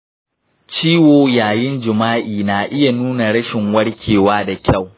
ciwo yayin jima’i na iya nuna rashin warkewa da kyau.